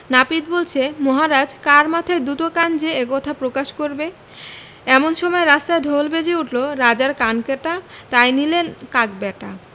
নাপিত বলছে মহারাজ কার মাথায় দুটো কান যে এ কথা প্রকাশ করবে এমন সময় রাস্তায় ঢোল বেজে উঠল ‘রাজার কান কাটা তাই নিলে কাক ব্যাটা